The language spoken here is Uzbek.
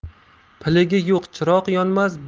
piligi yo'q chiroq yonmas